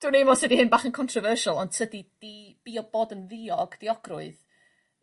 dwn i'm os ydi hyn bach yn controversial yn tydi bi- bi- o bod yn ddiog diogrwydd